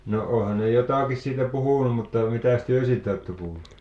no onhan ne jotakin siitä puhunut mutta mitäs te siitä olette kuullut